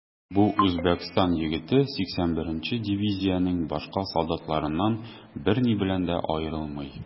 Бу Үзбәкстан егете 81 нче дивизиянең башка солдатларыннан берни белән дә аерылмый.